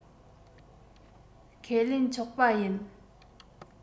ཁས ལེན ཆོག པ ཡིན